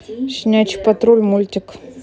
щенячий патруль мультик